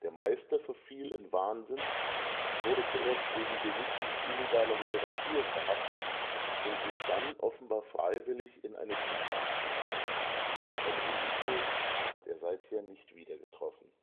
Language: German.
Meister verfiel in Wahnsinn, wurde zuerst wegen Besitzes illegaler Literatur verhaftet und ging dann offenbar freiwillig in eine psychiatrische Klinik. Seine Geliebte hat er seither nicht wiedergetroffen